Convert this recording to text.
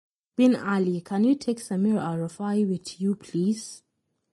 Bin Ali can you take samir alrifai with you please ?